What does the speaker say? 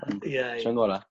ia... trio'n ngora